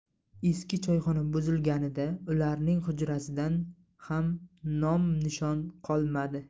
eski choyxona buzilganida ularning hujrasidan ham nom nishon qolmadi